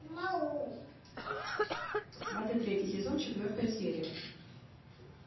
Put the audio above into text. сваты третий сезон четвертая серия